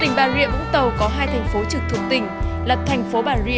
tỉnh bà rịa vũng tàu có hai thành phố trực thuộc tỉnh là thành phố bà rịa